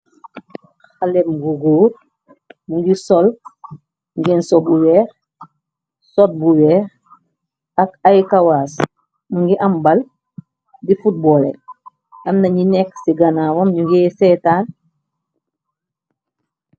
Xalem bu góor mungi sol ngeen so bu weex sot bu weex ak ay kawaas mungi am bal di fotballe am nañi nekk ci ganaawam ñu ngi seetaan.